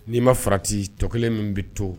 N'i ma farati tɔ kelen min bɛ to